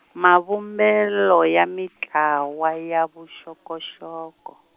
mavumbelo ya mintlawa ya vuxokoxoko.